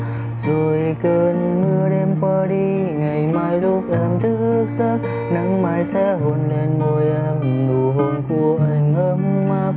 rồi cơn mưa đêm qua đi ngày mai lúc em thức giấc nắng mai sẽ hôn lên môi em nụ hôn cảu anh ấm áp